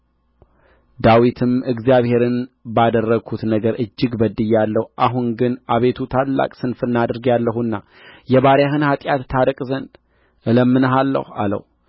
ዳዊትም እግዚአብሔርን ባደረግሁት ነገር እጅግ በድያለሁ አሁን ግን አቤቱ ታላቅ ስንፍና አድርጌአለሁና የባሪያህን ኃጢአት ታርቅ ዘንድ እለምንሃለሁ አለው